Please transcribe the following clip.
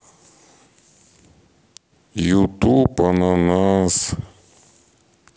ютуб ананас